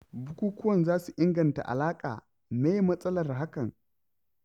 Bukukuwan za su inganta alaƙa, me ye matsalar hakan?